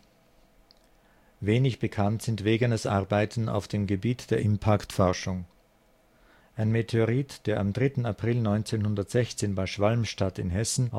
Wenig bekannt sind Wegeners Arbeiten auf dem Gebiet der Impaktforschung. Ein Meteorit, der am 3. April 1916 bei Schwalmstadt/Hessen